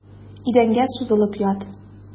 Идәнгә сузылып ят.